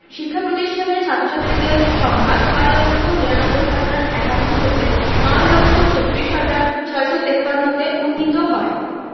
শিক্ষা প্রতিষ্ঠানের ছাত্র ছাত্রীদের সংখ্যা ৬ লক্ষ ৯৯ হাজার ৫১ হতে ৯ লক্ষ ৩৬ হাজার ৬৫৩ তে উন্নীত হয়